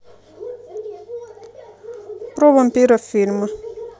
про вампиров фильмы